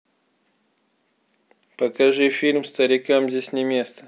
покажи фильм старикам здесь не место